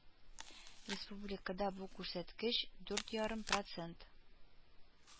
Республикада бу күрсәткеч дүрт ярым процент